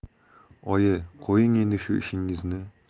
oyi qo'ying endi shu ishingizni